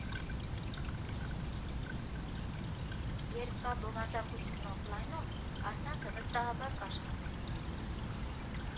֊ Երբ կա բովանդակություն օֆլայնում, առցանցը վստահաբար կաշխատի»։